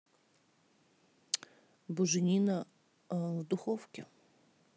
буженина в духовке